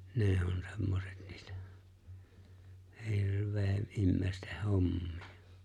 ne on semmoiset niitä - ihmisten hommia